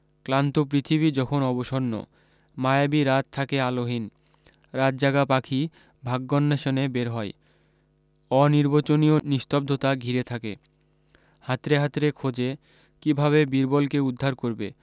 ক্লান্ত পৃথিবী যখন অবসন্ন মায়াবী রাত থাকে আলোহীন রাতজাগা পাখি ভাগ্যান্বেষণে বের হয় অনির্বচনীয় নিস্তব্ধতা ঘিরে থাকে হাতড়ে হাতড়ে খোঁজে কিভাবে বীরবলকে উদ্ধার করবে